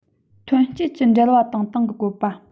ཐོན སྐྱེད ཀྱི འབྲེལ བ དང སྟེང གི བཀོད པ